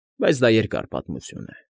Բայց դա երկար պատմություն է։ ֊